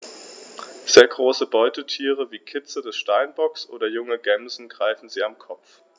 Sehr große Beutetiere wie Kitze des Steinbocks oder junge Gämsen greifen sie am Kopf.